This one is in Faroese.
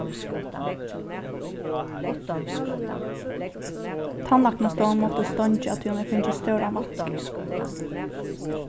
tannlæknastovan mátti steingja tí hon hevði fingið stóran vatnskaða